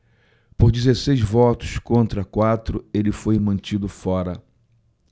por dezesseis votos contra quatro ele foi mantido fora